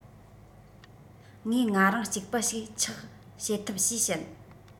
ངས ང རང གཅིག པུ ཞིག ཆགས བྱེད ཐུབ ཞེས བཤད